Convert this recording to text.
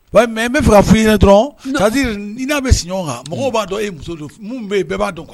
Wai mais n bɛ fɛ ka fi ɲɛna dɔrɔn c'est à dire i ba bɛ si ɲɔgɔn kan, mɔgɔw ba dɔn e muso don. Mun be yen bɛɛ ba dɔn.